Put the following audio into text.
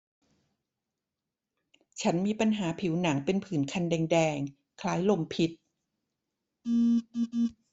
ฉันมีปัญหาผิวหนังเป็นผื่นคันแดงแดงคล้ายลมพิษ